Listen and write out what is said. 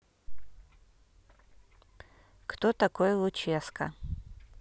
кто такой луческо